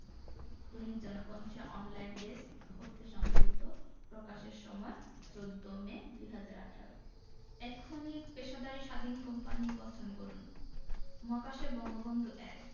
দৈনিক জনকণ্ঠের online desk হতে সংগৃহীত প্রকাশের সময় ১৪ মে ২০১৮ এখনই পেশাদারি স্বাধীন কোম্পানি গঠন করুন মহাকাশে বঙ্গবন্ধু ১